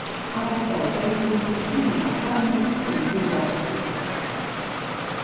hann kostaði sjey túsund og fimm hundrað krónur í fimm dagar